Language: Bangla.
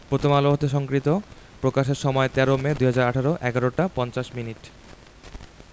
প্রথম আলো হতে সংগৃহীত প্রকাশের সময় ১৩ মে ২০১৮ ১১ টা ৫০ মিনিট